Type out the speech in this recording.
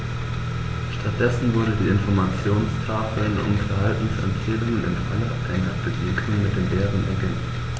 Stattdessen wurden die Informationstafeln um Verhaltensempfehlungen im Falle einer Begegnung mit dem Bären ergänzt.